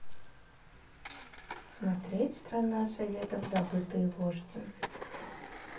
смотреть страна советов забытые вожди